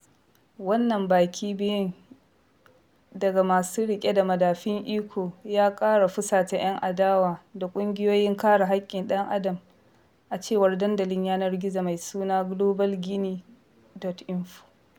Wannan baki biyun daga masu riƙe da madafun iko ya ƙara fusata "yan adawa da ƙungiyoyin kare haƙƙin ɗan adam, a cewar dandalin yanar gizo mai suna globalguinee.info: